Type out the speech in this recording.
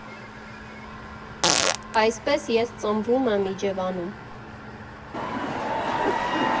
Այսպես ես ծնվում եմ Իջևանում։